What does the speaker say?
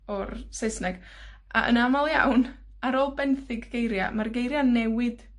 o'r Saesneg. A yn amal iawn, ar ôl benthyg geiria, ma'r geiria'n newid.